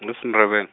ngu siNdeben-.